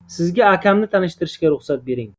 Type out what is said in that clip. sizga akamni tanishtirishga ruxsat bering